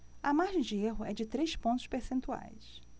a margem de erro é de três pontos percentuais